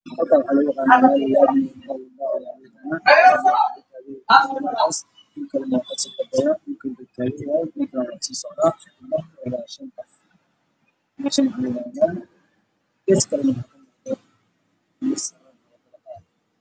Waa guryo duug ah waxaa agmaro laami